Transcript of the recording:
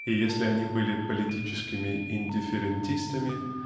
и если они были политическими индифферентистами